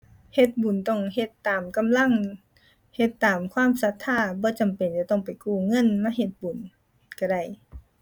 เฮ็ดบุญต้องเฮ็ดตามกำลัง เฮ็ดตามความศรัทธา บ่จำเป็นจะต้องไปกู้เงินมาเฮ็ดบุญก็ได้